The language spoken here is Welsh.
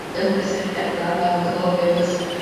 ymgysylltiada yma'efo cyflogwyr 'chos